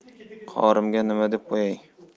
qorimga nima deb qo'yay